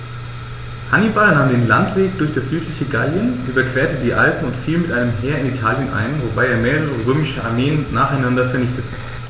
Hannibal nahm den Landweg durch das südliche Gallien, überquerte die Alpen und fiel mit einem Heer in Italien ein, wobei er mehrere römische Armeen nacheinander vernichtete.